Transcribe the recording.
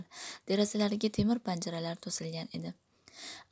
derazalariga temir panjaralar to'silgan edi